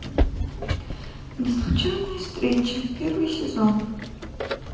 неслучайная встреча первый сезон